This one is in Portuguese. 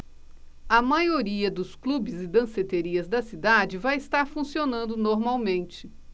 a maioria dos clubes e danceterias da cidade vai estar funcionando normalmente